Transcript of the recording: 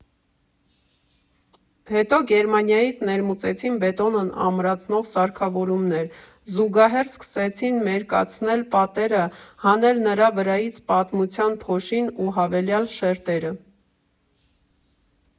Հետո Գերմանիայից ներմուծեցին բետոնն ամրացնող սարքավորումներ, զուգահեռ սկսեցին մերկացնել պատերը, հանել նրա վրայից պատմության փոշին ու հավելյալ շերտերը։